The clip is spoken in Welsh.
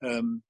Yym